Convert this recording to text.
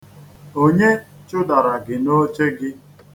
Onye chụdara gị n'oche gị?